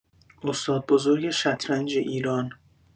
استاد بزرگ شطرنج ایران